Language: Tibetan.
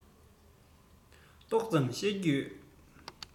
ཏོག ཙམ ཤེས ཀྱི ཡོད